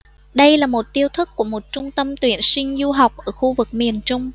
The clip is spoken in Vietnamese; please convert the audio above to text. đây là một chiêu thức của một trung tâm tuyển sinh du học ở khu vực miền trung